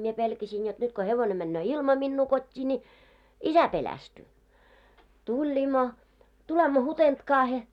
minä pelkäsin jotta nyt kun hevonen menee ilman minua kotiin niin isä pelästyy tullimme tulemme Hutentkaan